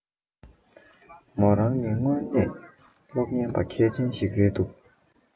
མོ རང ནི སྔོན ནས གློག སྙན པ མཁས ཅན ཅིག རེད འདུག